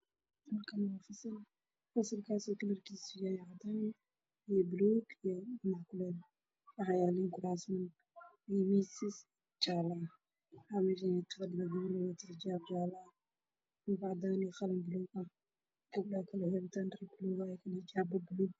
Waa iskuul waxaa fadhiya gabdho waxay wataan xijaabo jaalo iyo buluug gabar ayaa ii muuqata oo cashar qoreyso